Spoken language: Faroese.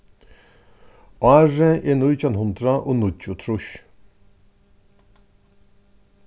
árið er nítjan hundrað og níggjuogtrýss